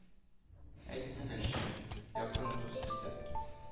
Әйтсәгезче, якын дус итеп,